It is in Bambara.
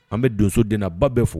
An bɛ donsodba bɛ fo